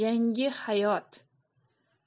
yangi hayot